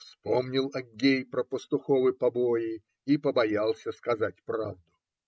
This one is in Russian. Вспомнил Аггей про пастуховы побои и побоялся сказать правду.